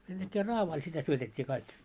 sen näkee raavaille sitä syötettiin kaikki